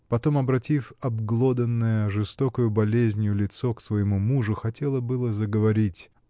потом, обратив обглоданное жестокою болезнью лицо к своему мужу, хотела было заговорить.